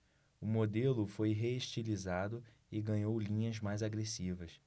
o modelo foi reestilizado e ganhou linhas mais agressivas